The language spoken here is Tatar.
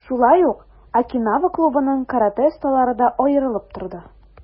Шулай ук, "Окинава" клубының каратэ осталары да аерылып торды.